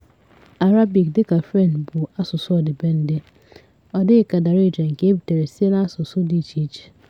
Arabic, dị ka French, bụ asụsụ ọdịbendị ọ adịghị ka Darija nke ebitere sita n'asụsụ dị iche iche.